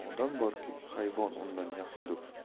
odam bordir hayvon undan yaxshidur